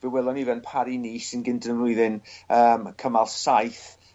fe welon ni fe yn Paris Nice un gynta yn y flwyddyn yyn cymal saith